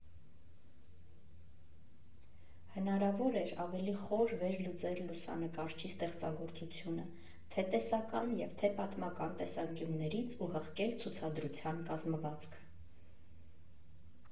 Հնարավոր էր ավելի խոր վերլուծել լուսանկարչի ստեղծագործությունը՝ թե տեսական և թե պատմական տեսանկյուններից ու հղկել ցուցադրության կազմվածքը։